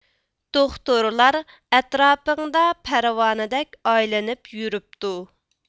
دوختۇرلار ئەتراپىڭدا پەرۋانىدەك ئايلىنىپ يۈرۈپتۇ